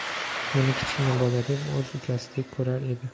meni kichkina bola deb o'z ukasidek ko'rar edi